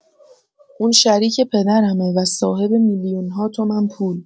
اون شریک پدرمه و صاحب میلیون‌ها تومن پول.